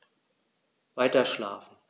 Weiterschlafen.